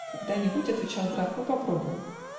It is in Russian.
-- Когда-нибудь, -- отвечал граф, -- мы попробуем.